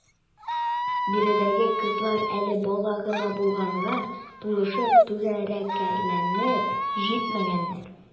Биредәге кызлар әле бала гына булганга, тулышып, түгәрәкләнеп җитмәгәннәр.